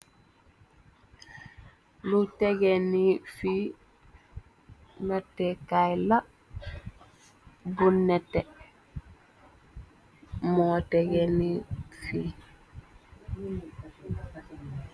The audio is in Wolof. Lu tégé ni fi, natèkaay la bu nètè. Mo tégé ni fi.